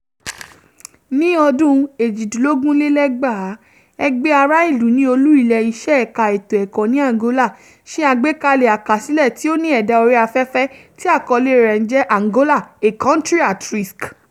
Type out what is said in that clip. Ní ọdún 2018, ẹgbẹ́ ara-ìlú ní olú-ilé iṣẹ́ ẹ̀ka ètò-ẹ́kọ́ ní Angola, ṣe àgbékalẹ̀ àkásílẹ̀ (tí ò ní ẹ̀dà orí-afẹ́fẹ́) tí àkọlé rẹ̀ jẹ́ ˆAngola, a country at risk".